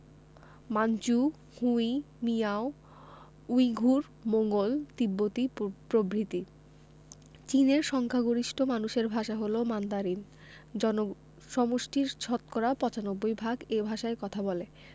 Manchu Hui Miao Uyghur Mongol তিব্বতি প্রভৃতি চীনের সংখ্যাগরিষ্ঠ মানুষের ভাষা হলো মান্দারিন জনসমষ্টির শতকরা ৯৫ ভাগ এ ভাষায় কথা বলে